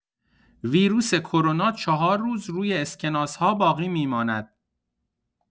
ویروس کرونا ۴ روز روی اسکناس‌ها باقی می‌ماند!